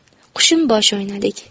qushim boshi o'ynadik